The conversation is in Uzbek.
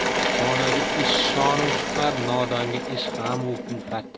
donoga ish shon u shuhrat nodonga ish g'am u kulfat